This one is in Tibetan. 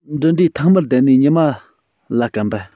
འབྲུ འབྲས ཐང མར བརྡལ ནས ཉི མ ལ བསྐམས པ